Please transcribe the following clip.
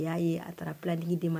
A y'a ye a taar planning demandé